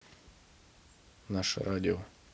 наше радио